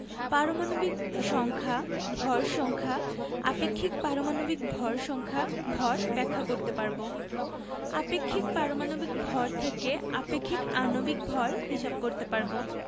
পারমাণবিক সংখ্যা ভর সংখ্যা আপেক্ষিক পারমাণবিক ভর সংখ্যা ভর ব্যাখ্যা করতে পারব আপেক্ষিক পারমাণবিক ভর থেকে আপেক্ষিক আণবিক ভর হিসাব করতে পারব